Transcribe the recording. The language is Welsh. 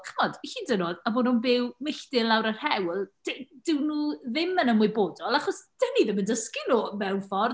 Chimod, hyd yn oed a bo' nhw'n byw milltir lawr yr hewl dy- dyw nhw ddim yn ymwybodol, achos 'dyn ni ddim yn dysgu nhw mewn ffordd.